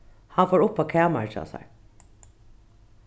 hann fór upp á kamarið hjá sær